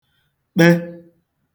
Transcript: kpe